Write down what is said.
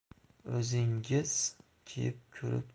o'zingiz kiyib ko'rib